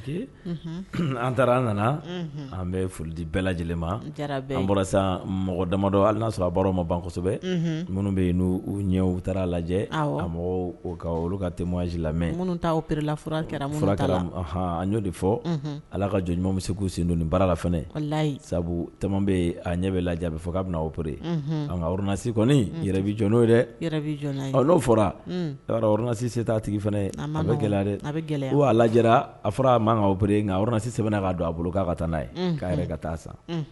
An taara an nana an bɛ foli bɛɛ lajɛlen an bɔra mɔgɔ damadɔ hali'a sɔrɔ ma bansɛbɛ minnu bɛ yen n ɲɛ taara lajɛ a olu ka te lamɛnere'o de fɔ ala ka jɔn bɛ se k'u sendon ni baara la sabu bɛ a ɲɛ bɛ lajɛ jaabi fɔ k'a bɛ ooererunasi kɔni yɛrɛ jɔ'o n'o fɔrarsi se taa tigi fana an bɛ gɛlɛya a bɛ gɛlɛya lajɛ a fɔra mare nkarsi sɛbɛn k'a don a bolo k'a ka taa'a ye yɛrɛ ka taa sa